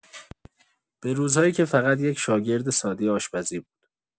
به روزهایی که فقط یک شاگرد سادۀ آشپزی بود.